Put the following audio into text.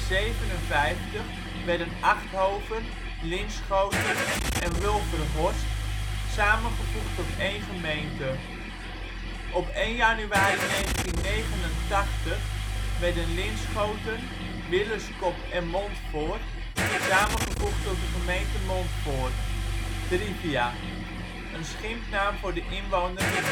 1857 werden Achthoven, Linschoten en Wulverhorst samengevoegd tot één gemeente. Op 1 januari 1989 werden Linschoten, Willeskop en Montfoort samengevoegd tot de gemeente Montfoort. Nieuwe Zandweg, een begraafplaats uit 1873. Huis te Linschoten; Het Linschoterbos; St. Janskerk, waarvan de toren scheef staat door verzakkingen; Theater De Wildeman. Lijst van rijksmonumenten in Linschoten Paul Strick van Linschoten Mat Herben (15 juli 1952) Een schimpnaam voor de inwoners is ballensnoepers